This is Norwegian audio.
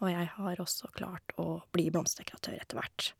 Og jeg har også klart å bli blomsterdekoratør etter hvert.